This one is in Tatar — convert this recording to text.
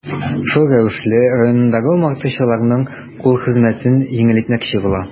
Шул рәвешле районындагы умартачыларның кул хезмәтен җиңеләйтмәкче була.